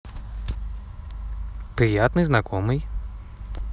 приятный знакомый